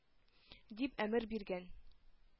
— дип әмер биргән.